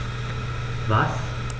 Was?